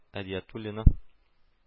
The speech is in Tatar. Әдиятуллина